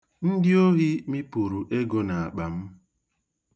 Ndị ohi mịpụrụ ego n'akpa m.